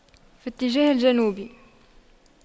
في اتجاه الجنوب